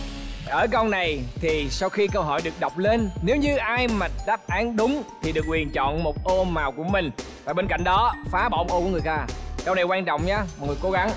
ở câu này thì sau khi câu hỏi được đọc lên nếu như ai mà đáp án đúng thì được quyền chọn một ô màu của mình và bên cạnh đó phá bỏ ô của người ta câu này quan trọng nha mọi người cố gắng